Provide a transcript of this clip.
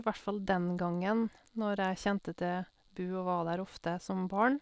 Hvert fall den gangen når jeg kjente til Bud og var der ofte som barn.